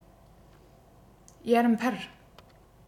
ཡར འཕར